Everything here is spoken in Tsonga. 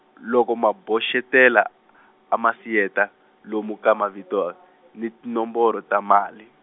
loko ma boxetela , a ma siyeta lomu ka mavito, ni tinomboro ta mali.